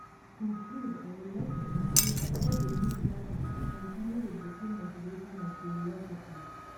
To conclude, I would like to encourage all the new bloggers to continue with the same motivation and curiosity.